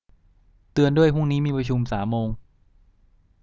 เตือนด้วยพรุ่งนี้มีประชุมสามโมง